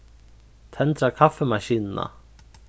tendra kaffimaskinuna